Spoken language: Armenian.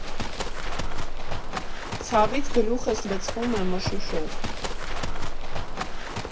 Ցավից գլուխս լցվում է մշուշով։